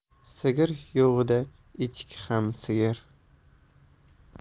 sigir yo'g'ida echki ham sigir